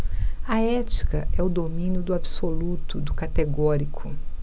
a ética é o domínio do absoluto do categórico